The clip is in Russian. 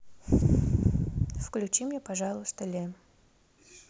включи мне пожалуйста ле